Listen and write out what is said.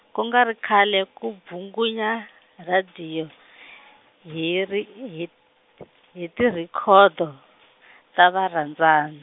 ku nga ri khale ku bvungunya, radiyo , hi ri hit- hi tirhekodo , ta varhandzan-.